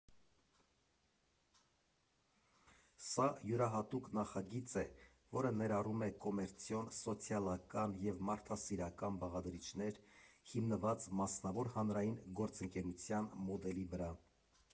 Սա յուրահատուկ նախագիծ է, որը ներառում է կոմերցիոն, սոցիալական և մարդասիրական բաղադրիչներ՝ հիմնված մասնավոր֊հանրային գործընկերության մոդելի վրա։